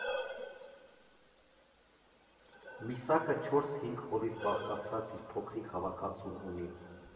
Միսակը չորս֊հինգ հոլից բաղկացած իր փոքրիկ հավաքածուն ունի։